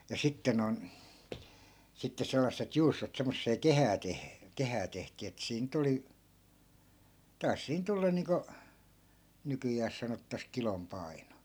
ja sitten noin sitten sellaiset juustot semmoiseen kehään - kehään tehtiin että siinä nyt oli taisi siinä tulla niin kuin nykyään sanotaan kilon paino